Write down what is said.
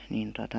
niin tuota